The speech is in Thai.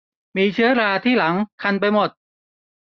มีเชื้อราที่หลังคันไปหมด